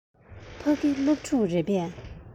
ཕ གི སློབ ཕྲུག རེད པས